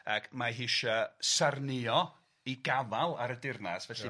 ac mae hi isia sarnio 'i gafal ar y deyrnas felly... Ia.